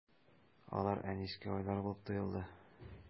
Алар Әнискә айлар булып тоелды.